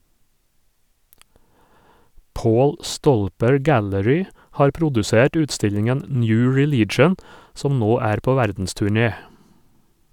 Paul Stolper Gallery har produsert utstillingen «New Religion», som nå er på verdensturné.